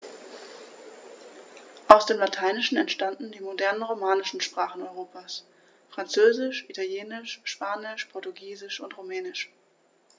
Aus dem Lateinischen entstanden die modernen „romanischen“ Sprachen Europas: Französisch, Italienisch, Spanisch, Portugiesisch und Rumänisch.